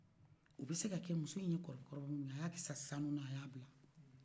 a be se kakɛ muso ɲe kɔlɔ bɛ kɔlɔ bɛ min kɛ a ya sanu a y'a bila